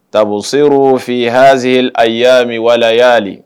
Taabolo seur fili halize a y yaami wala yali